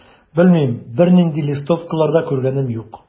Белмим, бернинди листовкалар да күргәнем юк.